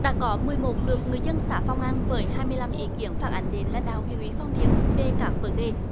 đã có mười một lượt người dân xã phong an với hai mươi lăm ý kiến phản ánh đến lãnh đạo huyện ủy phong điền về các vấn đề